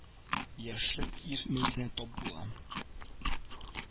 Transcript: Яшьлек ир мәетенә тап була